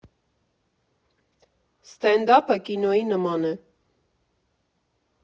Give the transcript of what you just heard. Ստենդափը կինոյի նման է։